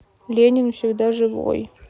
ленин всегда живой